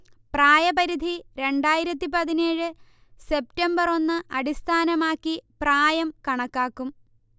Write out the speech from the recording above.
പ്രായപരിധി രണ്ടായിരത്തി പതിനേഴ് സെപ്റ്റംബർ ഒന്ന് അടിസ്ഥാനമാക്കി പ്രായം കണക്കാക്കും